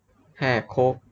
แหกคุก